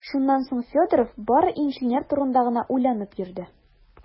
Шуннан соң Федоров бары инженер турында гына уйланып йөрде.